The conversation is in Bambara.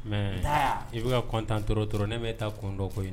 Mais i bi ka content trop trop ne me ta kun dɔn ko in na.